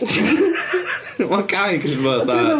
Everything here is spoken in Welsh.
Ma'r cae yn gallu bod fatha...